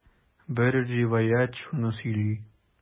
Бер риваять шуны сөйли.